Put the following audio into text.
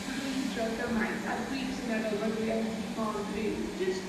brwydro gymaint a dwi jyst yn meddwl ma'r ddwy ohonoch chi mor gryf jyst